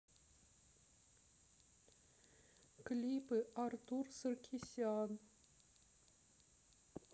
клипы артур саркисян